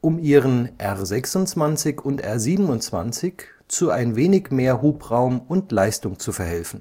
um ihren R 26 und R 27 zu ein wenig mehr Hubraum und Leistung zu verhelfen